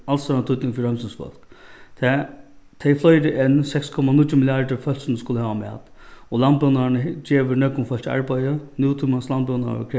alstóran týdning fyri heimsins fólk tað tey fleiri enn seks komma níggju milliardir fólkini skulu hava mat og landbúnaðurin gevur nógvum fólki arbeiði nútímans landbúnaður